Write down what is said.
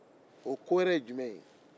o ko wɛrɛ ye jumɛn ye